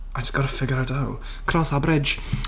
I just gotta figure out how. Cross that bridge!